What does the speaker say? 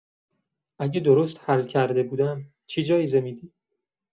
اگه درست حل کرده بودم، چی جایزه می‌دی؟